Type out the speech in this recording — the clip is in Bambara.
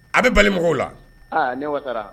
A be bali mɔgɔw la aa ne wasara